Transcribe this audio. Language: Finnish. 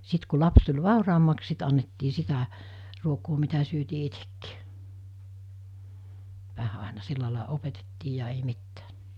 sitten kun lapsi tuli vauraammaksi sitten annettiin sitä ruokaa mitä syötiin itsekin vähän aina sillä lailla opetettiin ja ei mitään